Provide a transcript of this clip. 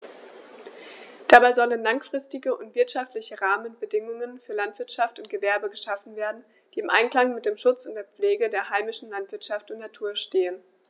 Dabei sollen langfristige und wirtschaftliche Rahmenbedingungen für Landwirtschaft und Gewerbe geschaffen werden, die im Einklang mit dem Schutz und der Pflege der heimischen Landschaft und Natur stehen.